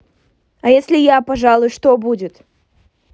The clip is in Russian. а если я пожалуй что будет